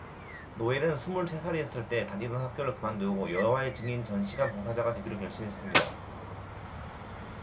노엘은 스물세 살이었을 때 다니던 학교를 그만두고 여호와의 증인 전 시간 봉사자가 되기로 결심했습니다